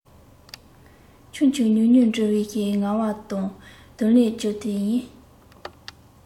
ཆུང ཆུང ཉུང ཉུང འབྲི བའི ངལ བ དང དུ ལེན རྒྱུ དེ ཡིན